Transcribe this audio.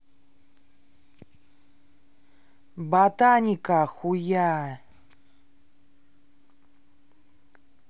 botanica хуя